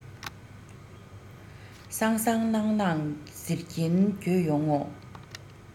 སང སང གནངས གནངས ཟེར གྱིན འགྱོད ཡོང ངོ